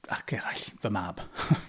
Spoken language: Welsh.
Ac eraill, fy mab